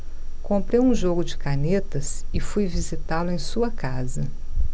comprei um jogo de canetas e fui visitá-lo em sua casa